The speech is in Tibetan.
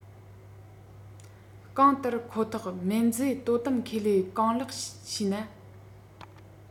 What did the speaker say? གང ལྟར ཁོ ཐག སྨན རྫས དོ དམ ཁེ ལས གང ལགས ཤེ ན